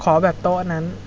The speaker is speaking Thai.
ขอแบบโต๊ะนั้น